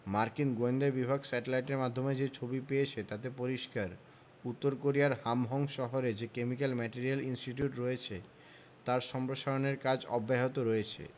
মার্কিন গোয়েন্দা বিভাগ স্যাটেলাইটের মাধ্যমে যে ছবি পেয়েছে তাতে পরিষ্কার উত্তর কোরিয়ার হামহাং শহরে যে কেমিক্যাল ম্যাটেরিয়াল ইনস্টিটিউট রয়েছে তার সম্প্রসারণের কাজ অব্যাহত রয়েছে